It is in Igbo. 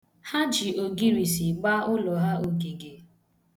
Ha ji ogirisi gba ụlọ ha ogige.